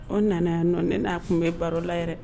U nana yan nɔ . Ne na kun bɛ baro la yɛrɛ.